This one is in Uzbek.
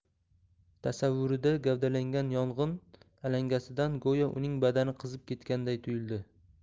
tasavvurida gavdalangan yong'in alangasidan go'yo uning badani qizib ketganday tuyuldi